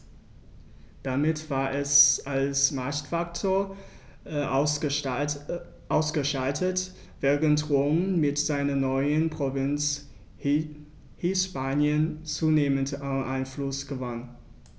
Damit war es als Machtfaktor ausgeschaltet, während Rom mit seiner neuen Provinz Hispanien zunehmend an Einfluss gewann.